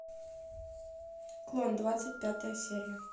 клон двадцать пятая серия